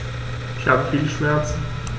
Ich habe viele Schmerzen.